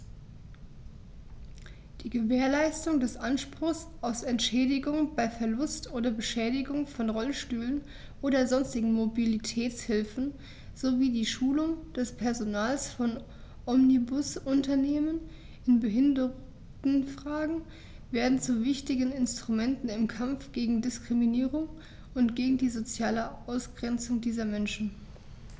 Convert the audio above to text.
Die Gewährleistung des Anspruchs auf Entschädigung bei Verlust oder Beschädigung von Rollstühlen oder sonstigen Mobilitätshilfen sowie die Schulung des Personals von Omnibusunternehmen in Behindertenfragen werden zu wichtigen Instrumenten im Kampf gegen Diskriminierung und gegen die soziale Ausgrenzung dieser Menschen.